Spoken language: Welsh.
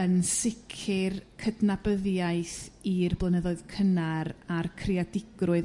yn sicir cydnabyddiaeth i'r blynyddoedd cynnar a'r creadigrwydd